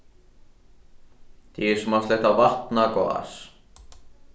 tað er sum at sletta vatn á gás